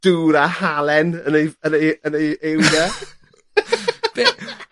dŵr a halen yn ei yn e- yn ei uwd e. Be'?